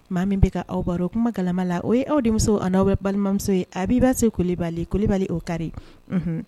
Maa min bɛ ka aw baroro kuma kalama la o ye' denmusomi n' aw bɛ balimamuso ye a bi' se ko bali ko bali o kari unhun